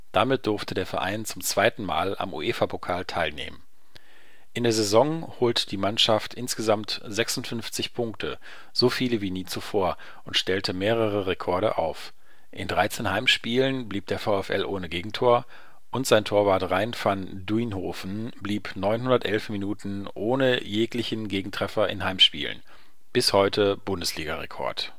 Damit durfte der Verein zum zweiten Mal am UEFA-Pokal teilnehmen. In der Saison holte die Mannschaft insgesamt 56 Punkte, so viele wie nie zuvor, und stellte mehrere Rekorde auf: In 13 Heimspielen blieb der VfL ohne Gegentor, und sein Torwart Rein van Duijnhoven blieb 911 Minuten ohne jeglichen Gegentreffer in Heimspielen – bis heute Bundesliga-Rekord